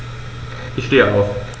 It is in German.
Ich stehe auf.